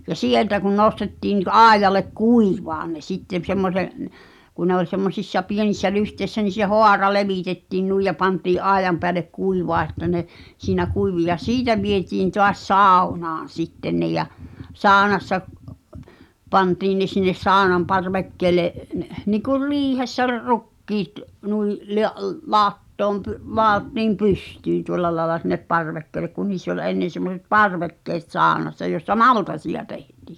ja sieltä kun nostettiin niin aidalle kuivamaan ne sitten - semmoisen kun ne oli semmoisissa pienissä lyhteissä niin se haara levitettiin noin ja pantiin aidan päälle kuivamaan että ne siinä kuivui ja siitä vietiin taas saunaan sitten ne ja saunassa pantiin ne sinne saunan parvekkeelle niin kuin riihessä - rukiit noin -- latoon - ladottiin pystyyn tuolla lailla sinne parvekkeelle kun niissä oli ennen semmoiset parvekkeet saunassa jossa maltaita tehtiin